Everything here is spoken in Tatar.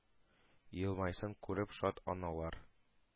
Елмайсын күреп шат аналар,